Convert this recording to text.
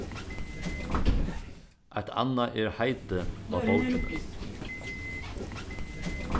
eitt annað er heitið á bókini